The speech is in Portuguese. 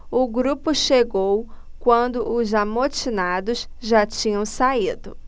o grupo chegou quando os amotinados já tinham saído